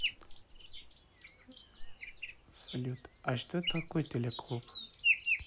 салют а что такое teleclub